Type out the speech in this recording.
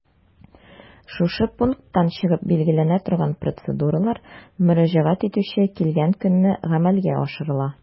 Шушы пункттан чыгып билгеләнә торган процедуралар мөрәҗәгать итүче килгән көнне гамәлгә ашырыла.